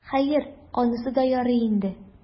Хәер, анысы да ярый инде.